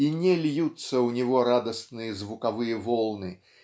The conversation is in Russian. и не льются у него радостные звуковые волны